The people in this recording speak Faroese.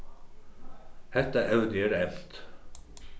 hetta evnið er eymt